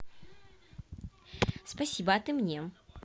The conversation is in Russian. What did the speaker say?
спасибо а ты мне